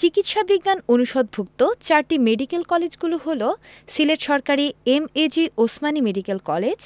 চিকিৎসা বিজ্ঞান অনুষদভুক্ত চারটি মেডিকেল কলেজ হলো সিলেট সরকারি এমএজি ওসমানী মেডিকেল কলেজ